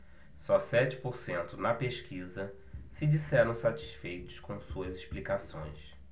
só sete por cento na pesquisa se disseram satisfeitos com suas explicações